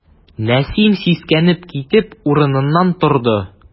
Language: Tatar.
Нәсим, сискәнеп китеп, урыныннан торды.